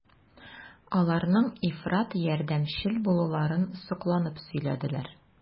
Аларның ифрат ярдәмчел булуларын сокланып сөйләделәр.